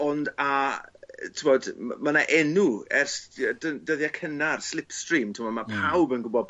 ond a yy t'bod ma' 'na enw ers dy- dy-dyddie cynnar Slipstream t'mo' ma' pawb yn gwbod